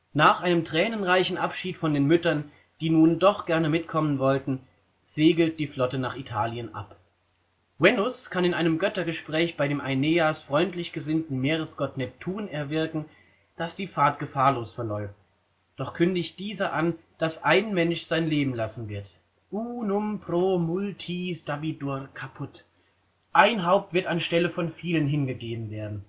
Nach einem tränenreichen Abschied von den Müttern, die nun doch gerne mitkommen wollten, segelt die Flotte nach Italien ab. Venus kann in einem Göttergespräch bei dem Aeneas freundlich gesinnten Meeresgott Neptun erwirken, dass die Fahrt gefahrlos verläuft, doch kündigt dieser an, dass ein Mensch sein Leben lassen wird: unum pro multis dabitur caput („ ein Haupt wird anstelle von vielen hingegeben werden